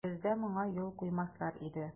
Бездә моңа юл куймаслар иде.